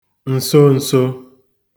ǹson̄sō